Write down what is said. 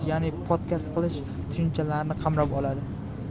tarqatish ya'ni podkast qilish tushunchalarini qamrab oladi